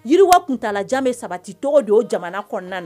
Yiriwa kuntalajan sabati tɔgɔ don jamana kɔnɔna